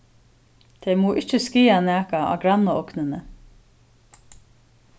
tey mugu ikki skaða nakað á grannaognini